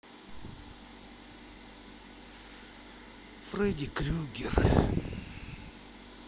фредди крюгер